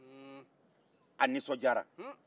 a nisɔndiyara